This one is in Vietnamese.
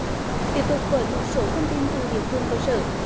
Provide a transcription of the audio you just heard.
tiếp tục với một số thông tin từ địa phương cơ sở